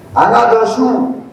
A n'a dɔn su